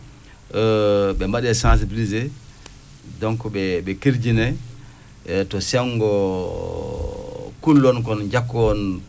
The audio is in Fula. ɓe mbaɗee sensibilisé donc ɓe kirjinee to senngo kullon kon njakkoowon